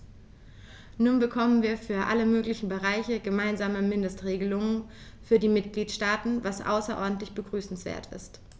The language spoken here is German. Nun bekommen wir für alle möglichen Bereiche gemeinsame Mindestregelungen für die Mitgliedstaaten, was außerordentlich begrüßenswert ist.